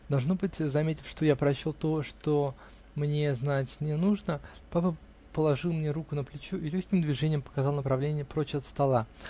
Должно быть, заметив, что я прочел то, чего мне знать не нужно, папа положил мне руку на плечо и легким движением показал направление прочь от стола.